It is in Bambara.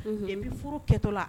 N bɛ furu kɛtɔ la